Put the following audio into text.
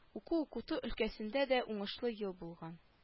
Уку-укыту өлкәсендә дә уңышлы ел булган